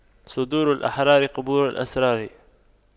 صدور الأحرار قبور الأسرار